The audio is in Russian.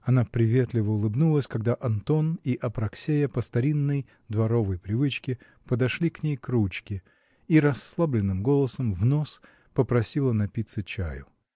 Она приветливо улыбнулась, когда Антон и Апраксея, по старинной дворовой привычке, подошли к ней к ручке, и расслабленным голосом, в нос, попросила напиться чаю.